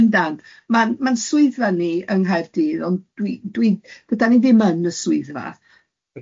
Yndan. Ma'n ma'n swyddfa ni yng Nghaerdydd ond dwi dwi da ni ddim yn y swyddfa.